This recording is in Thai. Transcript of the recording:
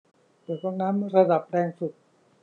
เปิดก๊อกน้ำระดับแรงสุด